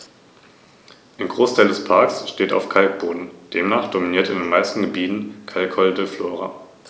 Ziel dieses Biosphärenreservates ist, unter Einbeziehung von ortsansässiger Landwirtschaft, Naturschutz, Tourismus und Gewerbe die Vielfalt und die Qualität des Gesamtlebensraumes Rhön zu sichern.